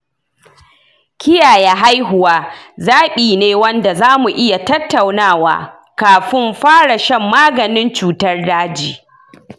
kiyaye haihuwa zabi ne wanda zamu iya tattaunawa kafun fara shan maganin cutar daji.